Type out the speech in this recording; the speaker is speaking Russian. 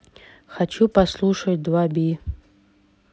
хочу послушать би два